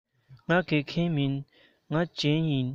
ང དགེ རྒན མིན མ བྱན ཡིན